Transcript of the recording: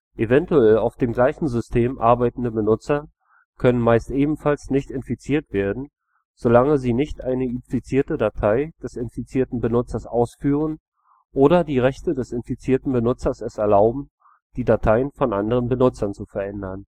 Eventuell auf dem gleichen System arbeitende Benutzer können meist ebenfalls nicht infiziert werden, so lange sie nicht eine infizierte Datei des infizierten Benutzers ausführen oder die Rechte des infizierten Benutzers es erlauben, die Dateien von anderen Benutzern zu verändern